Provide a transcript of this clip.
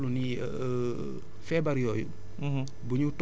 te dañu seetlu ni feebar yooyu